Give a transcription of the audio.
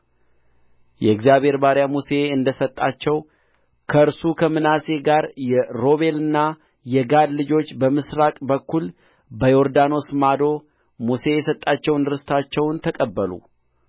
የእግዚአብሔር ባሪያ ሙሴ እንደ ሰጣቸው ከእርሱ ከምናሴ ጋር የሮቤልና የጋድ ልጆች በምሥራቅ በኩል በዮርዳኖስ ማዶ ሙሴ የሰጣቸውን ርስታቸውን ተቀበሉ